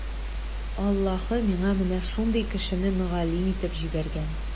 Аллаһы миңа менә шундый кешене мөгаллим итеп җибәргән.